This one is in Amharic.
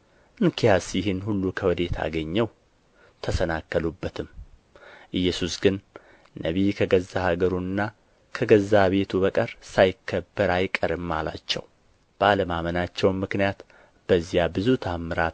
እንኪያስ ይህን ሁሉ ከወዴት አገኘው ተሰናከሉበትም ኢየሱስ ግን ነቢይ ከገዛ አገሩና ከገዛ ቤቱ በቀር ሳይከበር አይቀርም አላቸው በአለማመናቸውም ምክንያት በዚያ ብዙ ተአምራት